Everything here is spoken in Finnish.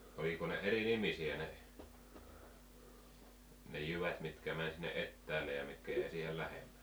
oliko ne eri nimisiä ne ne jyvät mitkä meni sinne etäälle ja mitkä jäi siihen lähemmä